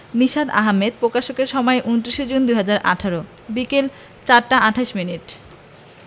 নিশাত আহমেদ প্রকাশকের সময় ২৯ জুন ২০১৮ বিকেল ৪টা ২৮ মিনিট